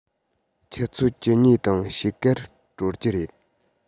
ཆུ ཚོད བཅུ གཉིས དང ཕྱེད ཀར གྲོལ གྱི རེད